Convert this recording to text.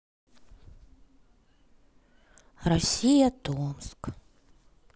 россия томск